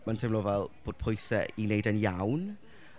Mae'n teimlo fel, bod pwysau i wneud e'n iawn.